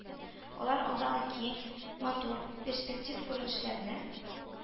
Алар алдагы киң, матур перспектив күренешләрне